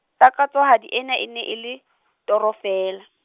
takatsohadi ena e ne e le , toro feela.